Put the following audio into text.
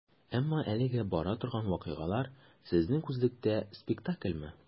Әмма әлегә бара торган вакыйгалар, сезнең күзлектән, спектакльмы?